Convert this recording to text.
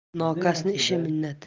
nokasning ishi minnat